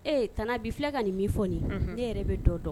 Ɛɛ tantie Abi , i filɛ ka ni min fɔ ni,. Unhun! Ne yɛrɛ bɛ dɔ dɔn.